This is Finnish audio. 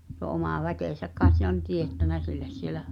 tuo oma väkensä kai se on teettänyt sille siellä